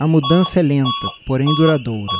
a mudança é lenta porém duradoura